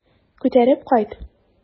Күтәреп кайт.